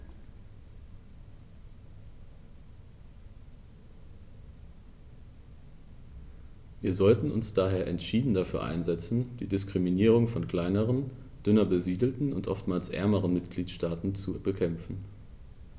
Wir sollten uns daher entschieden dafür einsetzen, die Diskriminierung von kleineren, dünner besiedelten und oftmals ärmeren Mitgliedstaaten zu bekämpfen.